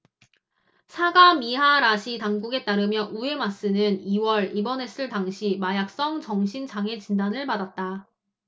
사가미하라시 당국에 따르면 우에마쓰는 이 월 입원했을 당시 마약성 정신장애진단을 받았다